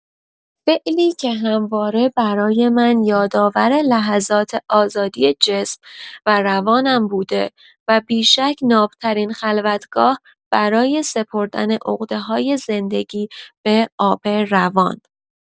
فعلی که همواره برای من یادآور لحظات آزادی جسم و روانم بوده و بی‌شک ناب‌ترین خلوتگاه، برای سپردن عقده‌های زندگی به آب روان.